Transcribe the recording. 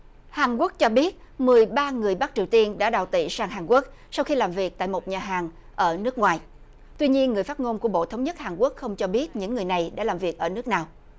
hàn quốc cho biết mười ba người bắc triều tiên đã đào tẩy sang hàn quốc sau khi làm việc tại một nhà hàng ở nước ngoài tuy nhiên người phát ngôn của bộ thống nhất hàn quốc không cho biết những người này đã làm việc ở nước nào